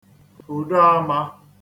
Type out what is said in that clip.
hùdo āmā